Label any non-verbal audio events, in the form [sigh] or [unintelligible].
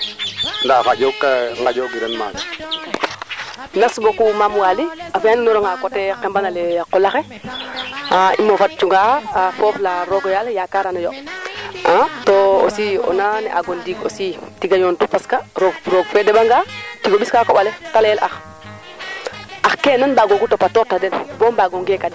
pour te loxatin naaga feesin keeke o geekta ngiran ngusax gusax ke ngusax gaafo areer o ku gekoona teen te gusax [unintelligible] ko mbisin ko geek tin kusax nda dara dama ngiran ya xaqa noona bacin geekin o geeka ngan dara waage roq taaga